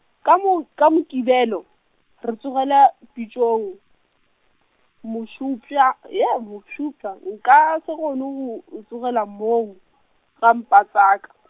ka mo, ka Mokibelo, re tsogela, pitšong, mošopša- , mošopša- nka se kgone go, go tsogela moo, ga Mpatšaka.